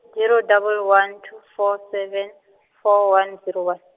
zero double one two four seven, four one zero one.